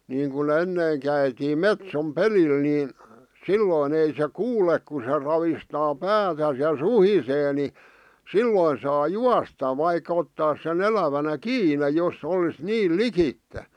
niin kuin ennen käytiin metson pelillä niin silloin ei se kuule kun se ravistaa päätään ja suhisee niin silloin saa juosta vaikka ottaisi sen elävänä kiinni jos olisi niin likitse